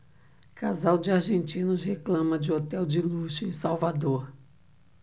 casal de argentinos reclama de hotel de luxo em salvador